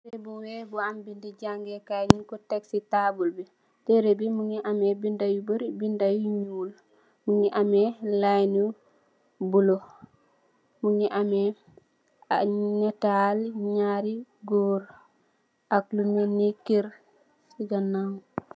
Tehreh bu wekh mu am bindue jangeh kaii nung kor tek cii taabul bii, tehreh bii mungy ameh binda yu bari, binda yu njull, mungy ameh line yu bleu, mungy ameh aa naatal njaari gorre ak lu melni kerr cii ganaw.